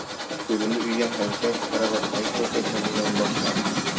chuvrindi uyga qaytgach karavotdagi ko'rpachaga yonboshladi